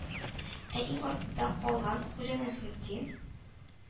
Ә иң артта калган Хуҗа Насретдин,